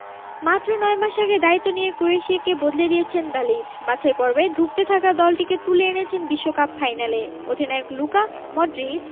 মাত্র ৯ মাস আগে দায়িত্ব নিয়ে ক্রোয়েশিয়াকে বদলে দিয়েছেন দালিচ বাছাই পর্বে ধুঁকতে থাকা দলটিকে তুলে এনেছেন বিশ্বকাপ ফাইনালে অধিনায়ক লুকা মডরিচ